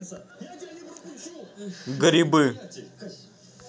грибы